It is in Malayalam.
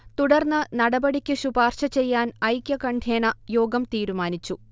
തുടർന്ന് നടപടിക്ക് ശുപാർശചെയ്യാൻ ഐകകണ്ഠ്യേന യോഗം തീരുമാനിച്ചു